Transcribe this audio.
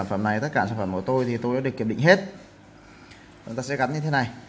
sản phẩm này tất cả sản phẩm của tô thì tôi kiểm định hết ta sẽ gắn cái này